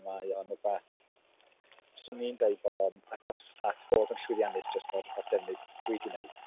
Mae o'n rywbeth... 'swn i'n deud bod o'n agos at fod yn llwyddiannus jyst o'r o'r defnydd dwi 'di wneud.